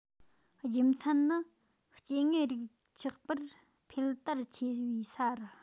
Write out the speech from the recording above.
རྒྱུ མཚན ནི སྐྱེ དངོས རིགས ཆགས པར འཕེལ དར ཆེ བའི ས རུ